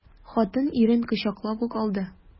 Хатын ирен кочаклап ук алды.